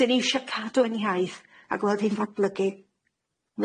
'Dyn ni isie cadw ein iaith a gweld hi'n datblygu.